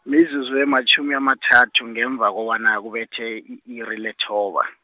mizuzu ematjhumi amathathu, ngemva kobana, kubethe i-iri lethoba.